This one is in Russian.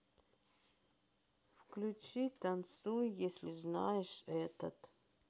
включи танцуй если знаешь этот